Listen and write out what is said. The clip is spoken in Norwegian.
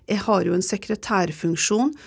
jeg har jo en sekretærfunksjon.